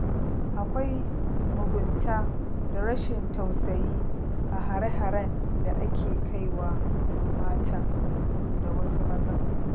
Akwai mugunta da rashin tausayi a hare-haren da ake kai wa matan (da wasu mazan).